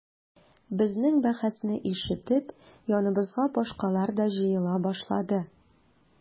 Безнең бәхәсне ишетеп яныбызга башкалар да җыела башлады.